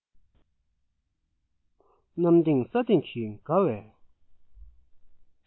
གནམ ལྡིང ས ལྡིང གིས དགའ བའི